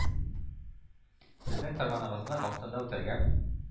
Сезнең фәрманыгызны вакытында үтәргә,